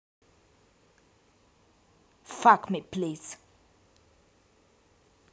fuck me please